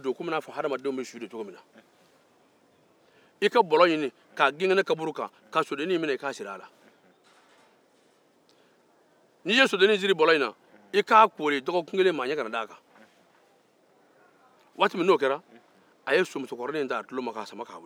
ni i ye sodennin in siri bɔlɔ in na i k'a kooli dɔgɔkun kelen mɔgɔ ɲɛ kana da a kan waati min n'o kɛra a ye somusokɔrɔnin in ta a tulo ka sama ka wuli